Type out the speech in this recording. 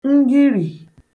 ngirì